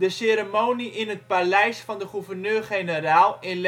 ceremonie in het paleis van de gouverneur-generaal in